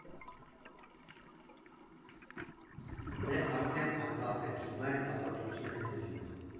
Դե՛, արդեն անկախ ենք, հիմա էլ ազատություն ենք ուզում։